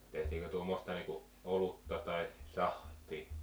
tehtiinkö tuommoista niin kuin olutta tai sahtia